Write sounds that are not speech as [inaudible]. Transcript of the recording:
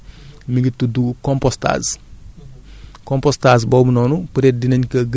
léegi nag am na benn technique bu nga xamante ni [breath] mi ngi tudd compostage